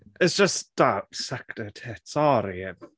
It's just that, "sucked her tit." Sori!